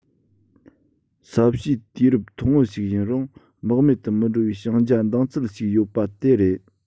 ས གཤིས དུས རབས ཐུང ངུ ཞིག ཡིན རུང རྨེག མེད དུ མི འགྲོ བའི ཞེང རྒྱ འདང ཚད ཅིག ཡོད པ དེ རེད